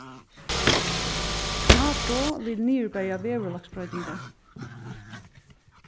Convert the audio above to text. nato vil niðurberja veðurlagsbroytingar